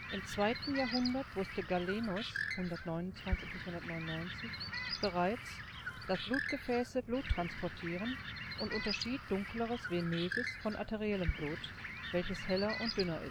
Im 2. Jahrhundert wusste Galenos (129 – 199) bereits, dass Blutgefäße Blut transportieren und unterschied dunkleres venöses von arteriellem Blut, welches heller und dünner